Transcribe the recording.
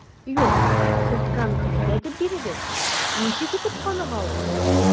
Юк, сез конкрет әйтеп бирегез, ничек итеп каныга ул?